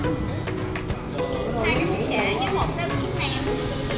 hai cái bún chả với cái bún nem